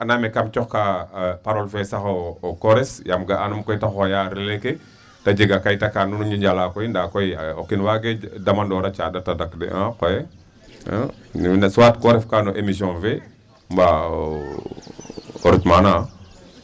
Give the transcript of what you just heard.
Andaam ee kaam cooxkaa parole fe sax o koores yaam ga'anum koy ta xooya relais ke ta jeg a kayit aka nu jalaa koy ndaa koy o kiin waagee damandooraa a caaƭ tadak de aa qoye aa me soit ko refka no emision fe mba o ret maana .